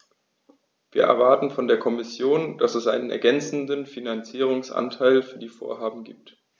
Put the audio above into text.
Wir erwarten von der Kommission, dass es einen ergänzenden Finanzierungsanteil für die Vorhaben gibt.